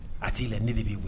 A t'i la ne de b'i